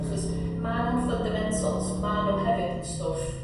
achos ma' nw'n fundamentals ma' nw hefyd yn stwff